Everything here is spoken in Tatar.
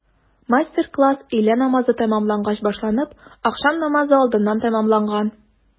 Мастер-класс өйлә намазы тәмамлангач башланып, ахшам намазы алдыннан тәмамланган.